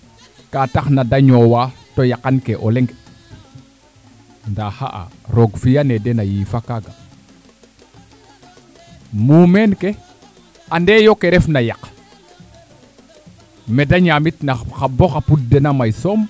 ka tax na de ñoowa to yaqan ke o leŋnda xa'a roog fiya ne den a yiifa kaga mumeen ke ande yo ke refna yaq mede ñaamit na bo xa pud ena may soom